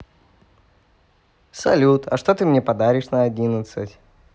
салют а что ты мне подаришь на одиннадцать